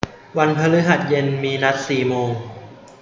วันพฤหัสเย็นมีนัดสี่โมง